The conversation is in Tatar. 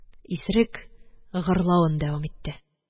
Исерек гырлавында дәвам итте